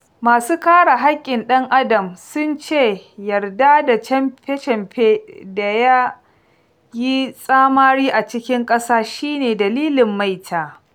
Masu kare hƙƙin ɗan adam sun ce yarda da camfe camfe da ya yi tsamari a cikin ƙasa shi ne dalilin maita.